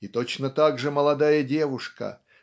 И точно так же молодая девушка